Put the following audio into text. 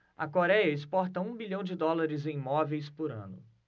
a coréia exporta um bilhão de dólares em móveis por ano